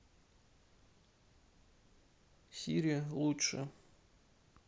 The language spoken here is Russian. сири лучше